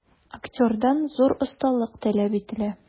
Актердан зур осталык таләп ителә.